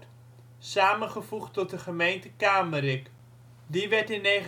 samengevoegd tot de gemeente Kamerik. Die werd in 1989